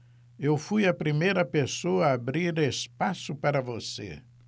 eu fui a primeira pessoa a abrir espaço para você